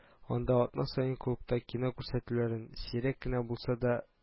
Анда атна саен клубта кино күрсәтүләрен, сирәк кенә булса да